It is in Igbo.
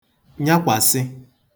nyakwàsị